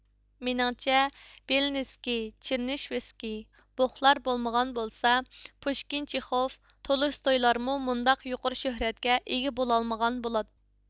مېنىڭچە بىلنىسكى چىرنېشۋسكى بوفلار بولمىغان بولسا پۇشكىنچىخوف تولستويلارمۇ مۇنداق يۇقىرى شۆھرەتكە ئىگە بولالمىغان بولاتتى